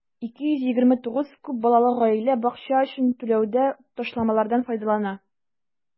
229 күп балалы гаилә бакча өчен түләүдә ташламалардан файдалана.